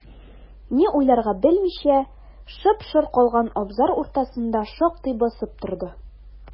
Ни уйларга белмичә, шып-шыр калган абзар уртасында шактый басып торды.